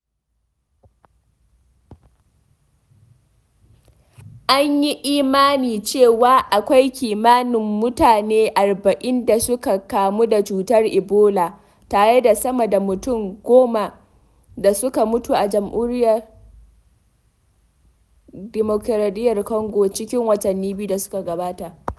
An yi imani cewa akwai kimanin mutane 40 da suka kamu da cutar ebola, tare da sama da mutum 10 da suka mutu a Jamhuriyar Dimokuraɗiyyar Congo cikin watanni biyu da suka gabata.